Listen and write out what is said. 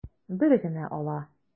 Бер генә ала.